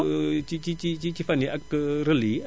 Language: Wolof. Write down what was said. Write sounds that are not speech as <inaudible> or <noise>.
<hesitation> ci ci ci ci fan yii ak <hesitation> relai yi